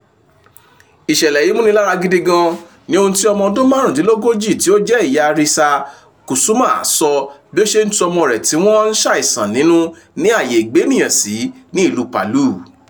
“Ìṣẹ̀lẹ̀ yìí múnilára gidi gan” ni ohun tí ọmọ ọdún márùndínlógójì tí ó jẹ́ ìyá Risa Kusuma sọ bí ó ṣe ń tu ọmọ rẹ̀ tí wọ́n ń ṣàìsàn nínú ní àyè ìgbénìyàn sí ní ìlú Palu.